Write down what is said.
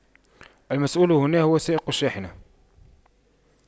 المسؤول هنا هو سائق الشاحنة